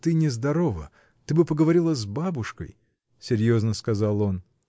ты нездорова: ты бы поговорила с бабушкой. — серьезно сказал он.